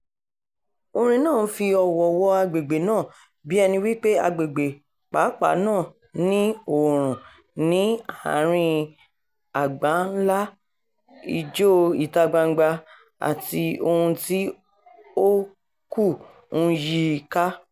Orin náà ń fi ọ̀wọ̀ wọ agbègbè náà: bí ẹni wípé Agbègbè Papa náà ni oòrùn ní àárín àgbá-ńlá Ijó ìta-gbangba àti ohun tí ó kù ń yí i ká.